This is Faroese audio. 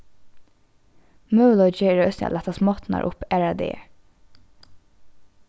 møguleiki er eisini at lata smátturnar upp aðrar dagar